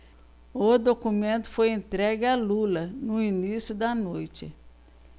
o documento foi entregue a lula no início da noite